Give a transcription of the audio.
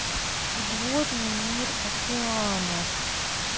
подводный мир океанов